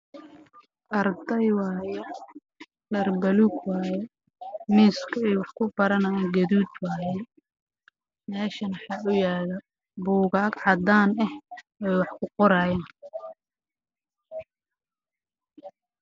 Arday waaye dhar buluug waaye